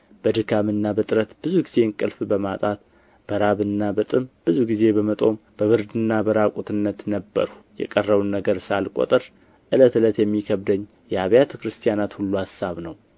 በድካምና በጥረት ብዙ ጊዜም እንቅልፍ በማጣት በራብና በጥም ብዙ ጊዜም በመጦም በብርድና በራቁትነት ነበርሁ የቀረውንም ነገር ሳልቆጥር ዕለት ዕለት የሚከብድብኝ የአብያተ ክርስቲያናት ሁሉ አሳብ ነው